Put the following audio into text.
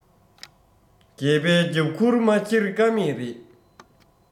སྒལ པའི རྒྱབ ཁུར མ འཁྱེར ཀ མེད རེད